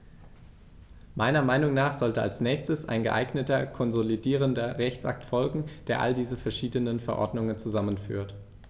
Meiner Meinung nach sollte als nächstes ein geeigneter konsolidierender Rechtsakt folgen, der all diese verschiedenen Verordnungen zusammenführt.